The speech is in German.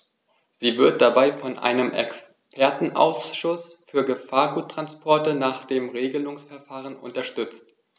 Sie wird dabei von einem Expertenausschuß für Gefahrguttransporte nach dem Regelungsverfahren unterstützt.